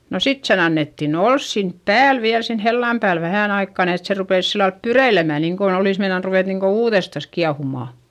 no sitten sen annettiin olla siinä päällä vielä sen hellan päällä vähän aikaa niin että se rupesi sillä lailla pyreilemään niin kuin olisi meinannut ruveta niin kuin uudestaan kiehumaan